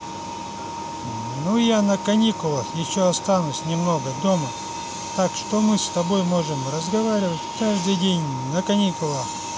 ну я на каникулах еще останусь немного дома так что мы с тобой можем разговаривать каждый день на каникулах